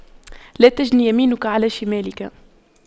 لا تجن يمينك على شمالك